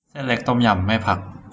เส้นเล็กต้มยำไม่ผัก